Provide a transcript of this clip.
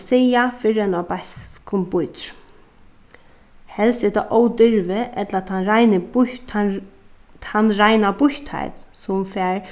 siga fyrr enn á beiskum bítur helst er tað ovdirvi ella tann reini býtt tann tann reina býttheit sum fær